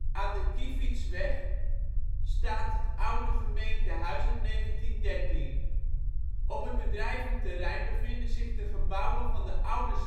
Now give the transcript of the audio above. Aan de Kivietsweg staat het oude gemeentehuis uit 1913. Op het bedrijventerrein bevinden zich de gebouwen van de oude